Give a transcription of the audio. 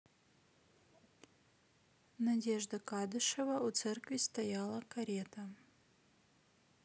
надежда кадышева у церкви стояла карета